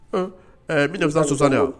Bimisa sosan yan